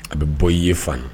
A bɛ bɔ i ye fa